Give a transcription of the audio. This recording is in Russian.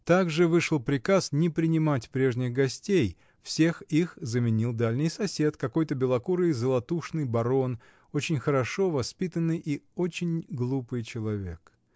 Также вышел приказ не принимать прежних гостей: всех их заменил дальний сосед, какой-то белокурый золотушный барон, очень хорошо воспитанный и очень глупый человек.